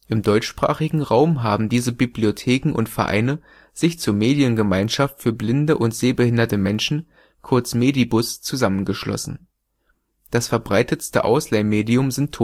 deutschsprachigen Raum haben diese Bibliotheken und Vereine sich zur Mediengemeinschaft für blinde und sehbehinderte Menschen, kurz Medibus, zusammengeschlossen. Das verbreitetste Ausleihmedium sind